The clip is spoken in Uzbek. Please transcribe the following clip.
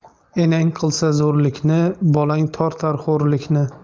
enang qilsa zo'rlikni bolang tortar xo'rlikni